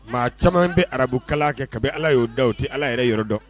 Maa caman bɛ arabukala kɛ kabi ala y'o da u tɛ ala yɛrɛ yɔrɔ dɔn